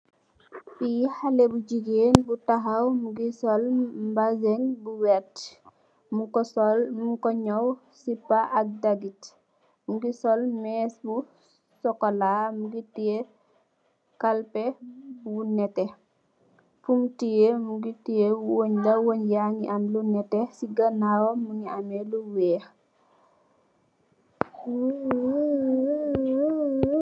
Ki xalèh bu jigeen bu taxaw mungii sol mbasen bu werta. Mung ko ñaw sipá ak dagit mungii sol més bu sokola mugii teyeh kalpèh bu netteh. Fum teyeh weñ la, weñ ya ñgi am lu netteh ci ganaw mungii am lu wèèx.